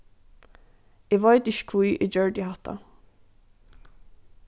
eg veit ikki hví eg gjørdi hatta